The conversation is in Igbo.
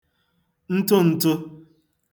ntụn̄tụ̄